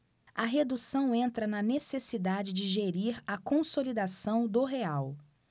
a redução entra na necessidade de gerir a consolidação do real